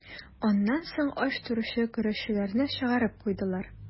Аннан соң ач торучы көрәшчеләрне чыгарып куйдылар.